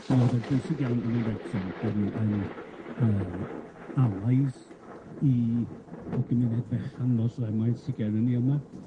Mi o'dd o'n bwysig iawn yma yn Wrecsam bod ni yn yy allies i y gymuned fechan Moslemaidd sy gera ni yma.